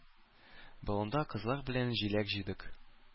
Болында кызлар белән җиләк җыйдык.